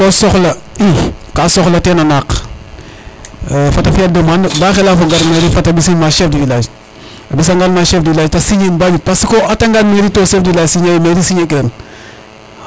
ko soxla ka soxla ten a naaq fata fiya demande bala te xelafo gar mairie fata mbisin ma chef du village a mbisangan ma chef du village te signer ba ƴut parce que o ataa ngan mairie to chef du village signer e mairie signer kiran